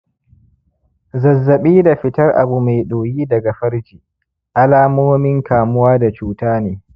zazzaɓi da fitar abu mai ɗoyi daga farji alamomin kamuwa da cuta ne